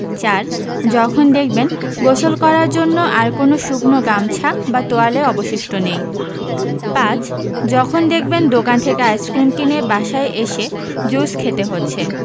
৪ যখন দেখবেন গোসল করার জন্য আর কোনো শুকনো গামছা বা তোয়ালে অবশিষ্ট নেই ৫ যখন দেখবেন দোকান থেকে আইসক্রিম কিনে বাসায় এসে জুস খেতে হচ্ছে